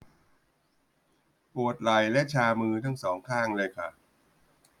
ปวดไหล่และชามือทั้งสองข้างเลยค่ะ